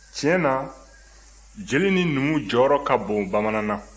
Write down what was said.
tiɲɛ na jeli ni numu jɔyɔrɔ ka bon bamanana